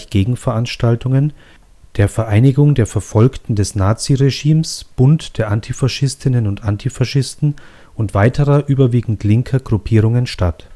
Gegenveranstaltungen der „ Vereinigung der Verfolgten des Naziregimes – Bund der Antifaschistinnen und Antifaschisten “(VVN-BdA) und weiterer, überwiegend linker, Gruppierungen statt